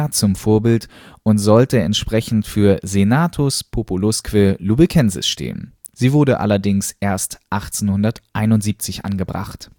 zum Vorbild und sollte entsprechend für Senatus populusque Lubecensis stehen. Sie wurde allerdings erst 1871 angebracht